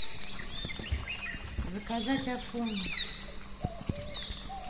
заказать афоню